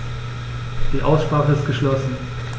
Die Aussprache ist geschlossen.